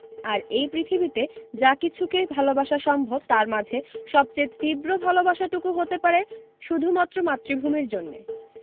আর এই পৃথিবীতে যা কিছুকে ভালোবাসা সম্ভব তার মাঝে সবচেয়ে তীব্র ভালোবাসাটুকু হতে পারে শুধুমাত্র মাতৃভূমির জন্যে